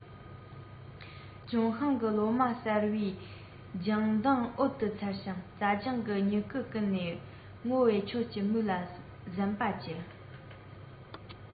ལྗོན ཤིང གི ལོ མ གསར པའི ལྗང མདངས འོད དུ འཚེར ཞིང རྩྭ ལྗང གི མྱུ གུ ཀུན ནས སྔོ བས ཁྱོད ཀྱི མིག ལ གཟན པ སྐྱིད